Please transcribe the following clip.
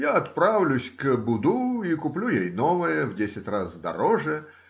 Я отправлюсь к Буду и куплю ей новое в десять раз дороже".